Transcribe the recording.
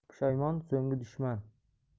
pushaymon so'nggi dushman